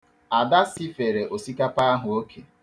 Ada sifere osikapa ahụ oke.